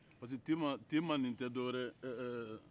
parce que tema tema in tɛ dɔwɛrɛ ye eee eee